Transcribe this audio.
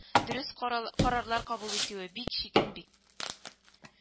Дөрес карар карарлар кабул итүе бик читен бит